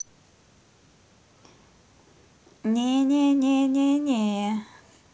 не не не не не